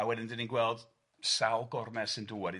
A wedyn 'dan ni'n gweld sawl gormes yn dŵad.